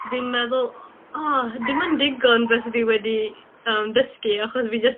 fi'n meddwl, oh, dim yn digon beth o' fi wedi yym dysgu achos fi jyst